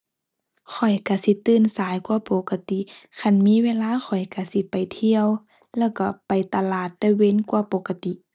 ข้อยก็สิตื่นสายกว่าปกติ คันมีเวลาข้อยก็สิไปเที่ยว แล้วก็ไปตลาดแต่ก็กว่าปกติ